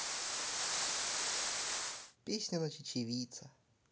песня на чечевица